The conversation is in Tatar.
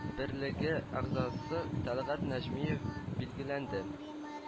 Берлеге әгъзасы тәлгат нәҗмиев билгеләнде